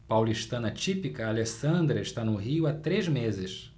paulistana típica alessandra está no rio há três meses